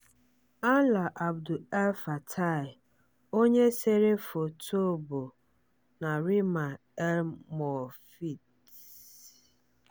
Alaa Abd El Fattah, onye sere foto bụ Nariman El-Mofty.